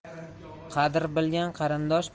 qadr bilgan qarindosh